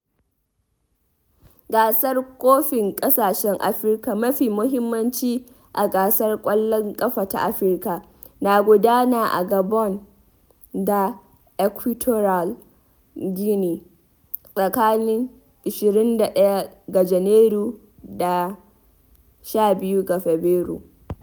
Gasar Kofin Ƙasashen Afirka, mafi muhimmanci a gasar ƙwallon ƙafa ta Afirka, na gudana a Gabon da Equatorial Guinea tsakanin 21 ga Janairu daa 12 ga Fabrairu.